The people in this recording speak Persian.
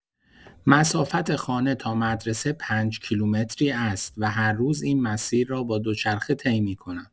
مسافت خانه تا مدرسه پنج‌کیلومتری است و هر روز این مسیر را با دوچرخه طی می‌کنم.